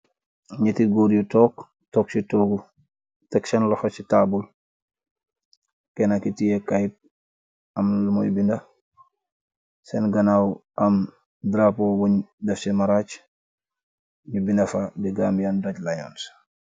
Ñyetti gòor yu toog, toog ci toogu tekk senn loho ci taabl. Kenna ki té kayit am lu mi binda, senn ganaaw am darapu bun deff ci maraj nu binda fa the Gambian Dutch lions.